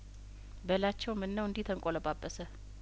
በላቸው ምነው እንዲህ ተንቆለጳጰሰ